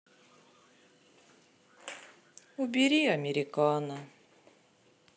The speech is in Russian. убери американо